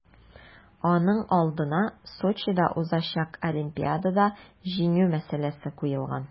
Аның алдына Сочида узачак Олимпиадада җиңү мәсьәләсе куелган.